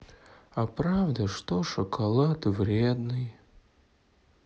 а правда что шоколад вредный